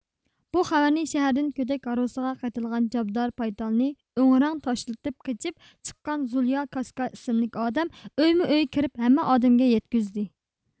بۇ خەۋەرنى شەھەردىن كۆتەك ھارۋىسىغا قېتىلغان چابدار بايتالنى ئۆكىرەڭ تاشلىتىپ قېچىپ چىققان زۇليا كاسكا ئىسىملىك ئادەم ئۆيمۇ ئۆي كىرىپ ھەممە ئادەمگە يەتكۈزدى